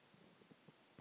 как обстановка в россии